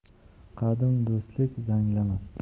qirda bo'ri yo'q emas orada dushman yo'q emas